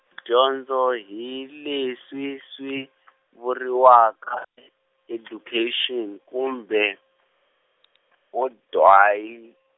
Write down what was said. dyondzo hi leswi swi , vuriwaka, education kumbe , odway-.